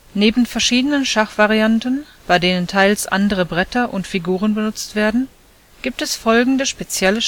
Neben verschiedenen Schachvarianten, bei denen teils andere Bretter und Figuren benutzt werden, gibt es folgende spezielle